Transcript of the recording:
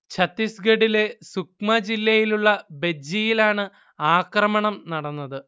ഛത്തീസ്ഗഢിലെ സുക്മ ജില്ലയിലുള്ള ബെജ്ജിയിലാണ് ആക്രമണം നടന്നത്